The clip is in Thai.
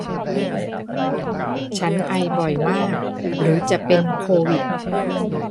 ฉันไอบ่อยมากหรือจะเป็นโควิด